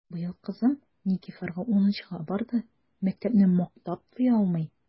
Быел кызым Никифарга унынчыга барды— мәктәпне мактап туялмый!